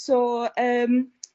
So yym